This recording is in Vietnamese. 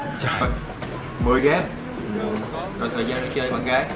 trời mười ghêm còn thời gian đi chơi bạn gái